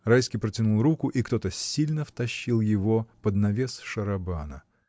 Райский протянул руку, и кто-то сильно втащил его под навес шарабана.